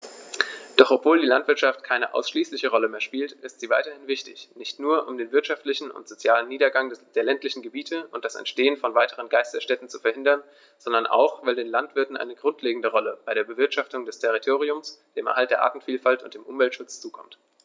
Doch obwohl die Landwirtschaft keine ausschließliche Rolle mehr spielt, ist sie weiterhin wichtig, nicht nur, um den wirtschaftlichen und sozialen Niedergang der ländlichen Gebiete und das Entstehen von weiteren Geisterstädten zu verhindern, sondern auch, weil den Landwirten eine grundlegende Rolle bei der Bewirtschaftung des Territoriums, dem Erhalt der Artenvielfalt und dem Umweltschutz zukommt.